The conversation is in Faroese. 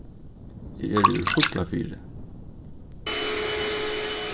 eg eri úr fuglafirði